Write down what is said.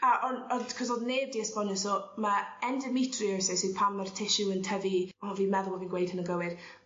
a o'n o'dd 'c'os o'dd neb di esbonio so ma' endometriosis yw pan ma'r tissue yn tyfi wel fi'n meddwl bo' fi'n gweud hyn yn gywir